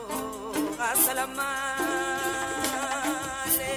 Wa se ma